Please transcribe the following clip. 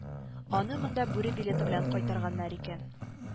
Аны монда бүре билеты белән кайтарганнар икән